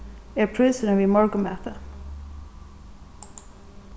er prísurin við morgunmati